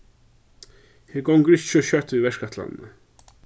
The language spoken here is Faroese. her gongur ikki so skjótt við verkætlanini